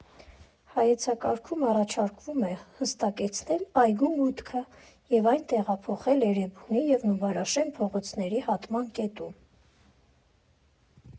Հայեցակարգում առաջարկվում է հստակեցնել այգու մուտքը և այն տեղափոխել Էրեբունի և Նուբարաշեն փողոցների հատման կետում։